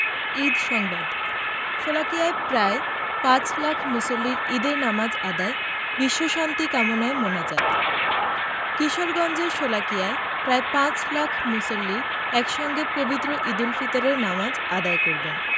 ঈদ সংবাদ শোলাকিয়ায় প্রায় পাঁচ লাখ মুসল্লির ঈদের নামাজ আদায় বিশ্বশান্তি কামনায় মোনাজাত কিশোরগঞ্জের শোলাকিয়ায় প্রায় পাঁচ লাখ মুসল্লি একসঙ্গে পবিত্র ঈদুল ফিতরের নামাজ আদায় করবেন